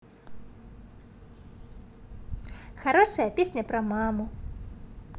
хорошая песня про маму